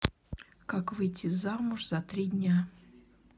как выйти замуж за три дня